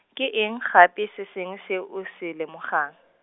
ke eng gape se sengwe se o se lemogang?